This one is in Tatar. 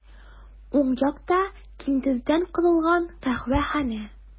Уң якта киндердән корылган каһвәханә.